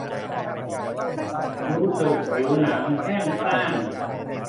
รู้สึกผิวหนังแห้งกร้าน